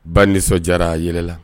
Ba nisɔndi a yɛrɛ la